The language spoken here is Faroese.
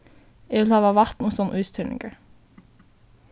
eg vil hava vatn uttan ísterningar